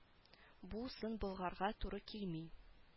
Бу сын болгарга туры килми